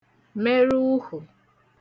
merụ ughù